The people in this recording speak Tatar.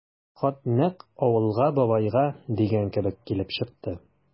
Хат нәкъ «Авылга, бабайга» дигән кебек килеп чыкты.